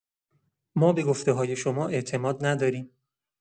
ما به گفته‌های شما اعتماد نداریم.